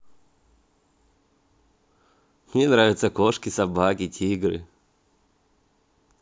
мне нравятся кошки собаки тигры